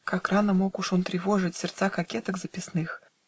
Как рано мог уж он тревожить Сердца кокеток записных!